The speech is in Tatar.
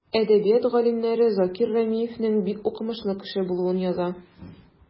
Әдәбият галимнәре Закир Рәмиевнең бик укымышлы кеше булуын яза.